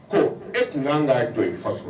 Ko e tun' k'a jɔ i faso so